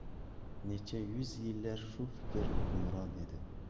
necha yuz yillar shu fikr hukmron edi